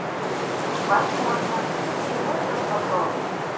возможно к чему этот вопрос